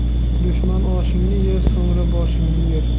dushman oshingni yer so'ngra boshingni yer